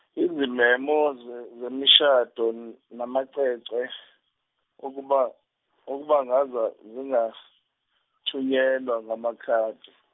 izimemo ze- zemishado n- namacece okuba- okubangaza zingathunyelwa ngamakhadi.